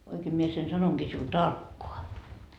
oikein minä sen sanonkin sinulle tarkkaan